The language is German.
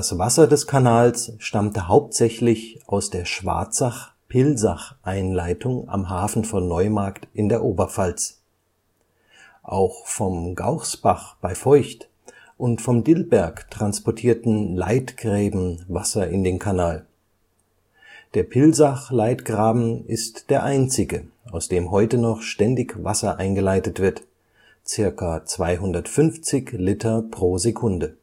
Wasser des Kanals stammte hauptsächlich aus der Schwarzach/Pilsach-Einleitung am Hafen von Neumarkt in der Oberpfalz. Auch vom Gauchsbach bei Feucht und vom Dillberg transportierten Leitgräben Wasser in den Kanal. Der Pilsach-Leitgraben ist der einzige, aus dem heute noch ständig Wasser eingeleitet wird, ca. 250 l pro Sekunde